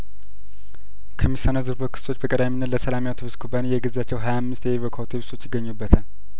ከሚሰነዘሩበት ክሶች በቀዳሚነት ለሰላም የአውቶብስ ኩባንያ የገዛቸው ሀያአምስት የኢቬኮ አውቶብሶች ይገኙበታል